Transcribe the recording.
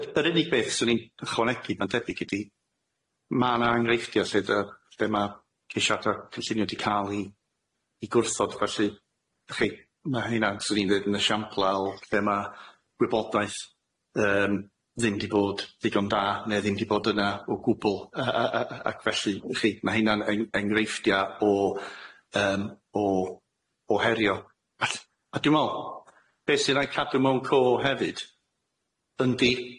Y- y- y- yr unig beth swn i'n ychwanegu ma'n tebyg ydi ma' na engreifftia lle dy- lle ma' ceisiada cynllunio di ca'l i i gwrthod felly y'chi ma' hynna swn i'n ddeud yn esiampla o lle ma' gwybodaeth yym ddim di bod ddigon da ne' ddim di bod yna o gwbwl yy yy yy yy ac felly chi ma' hynna'n eng- engreifftia o yym o o herio all- a dwi me'wl be' sy raid cadw mewn co hefyd yndi,